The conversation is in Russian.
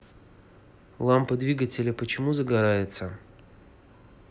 лампа двигателя почему загорается